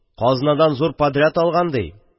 Казнадан зур подряд алган ди.